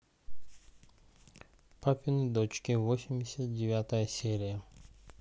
папины дочки восемьдесят девятая серия